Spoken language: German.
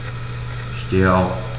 Ich stehe auf.